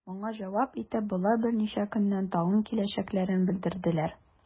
Моңа җавап итеп, болар берничә көннән тагын киләчәкләрен белдерделәр.